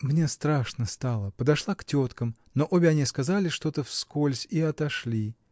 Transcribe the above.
мне страшно стало: подошла к теткам, но обе они сказали что-то вскользь и отошли.